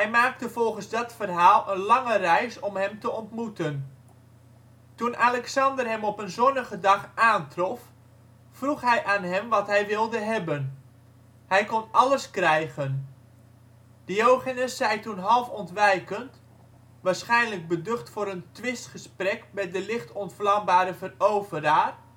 maakte volgens dat verhaal een lange reis om hem te ontmoeten. Toen Alexander hem op een zonnige dag aantrof, vroeg hij aan hem wat hij wilde hebben. Hij kon alles krijgen. Diogenes zei toen half ontwijkend, waarschijnlijk beducht voor een twistgesprek met de licht ontvlambare veroveraar